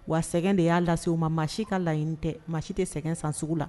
Wa sɛgɛn de y'a lase u ma maa si ka laɲini tɛ maa si tɛ sɛgɛn san sugu la